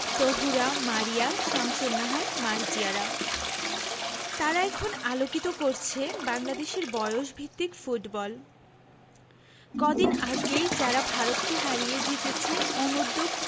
তহুরা মারিয়া শামসুন্নাহার মার্জিয়ারা তারা এখন আলোকিত করছে বাংলাদেশের বয়সভিত্তিক ফুটবল কদিন আগেই যারা ভারতকে হারিয়ে জিতেছে অনূর্ধ্ব